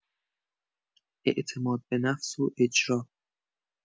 اعتمادبه‌نفس و اجرا